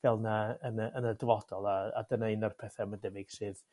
fel 'na yn y yn y dyfodol a a dyna un o'r pethe ma'n debyg sydd